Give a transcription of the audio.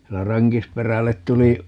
siinä Rankisperälle tuli